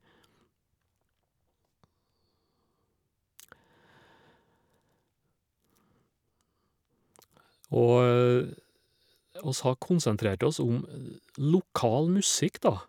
Og oss har konsentrert oss om lokal musikk, da.